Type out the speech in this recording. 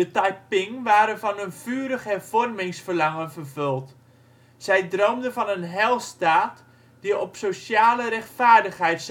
Taiping waren van een vurig hervormingsverlangen vervuld. Zij droomden van een heilstaat die op sociale rechtvaardigheid